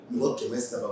Mɔgɔ 300